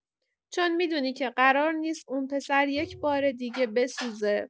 چون می‌دونی که قرار نیست اون پسر یک‌بار دیگه بسوزه.